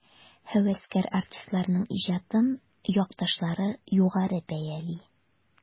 Һәвәскәр артистларның иҗатын якташлары югары бәяли.